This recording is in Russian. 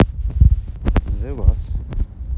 the вас